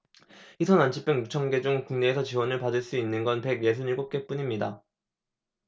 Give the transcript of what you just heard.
희소난치병 육 천 개 중 국내에서 지원을 받을 수 있는 건 백 예순 일곱 개뿐입니다